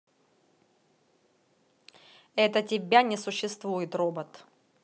это тебя не существует робот